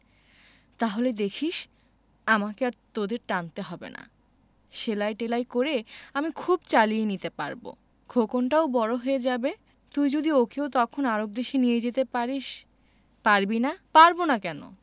তাহলে দেখিস আমাকে আর তোদের টানতে হবে না সেলাই টেলাই করে আমি খুব চালিয়ে নিতে পারব খোকনটাও বড় হয়ে যাবে তুই যদি ওকেও তখন আরব দেশে নিয়ে যেতে পারিস পারবি না পারব না কেন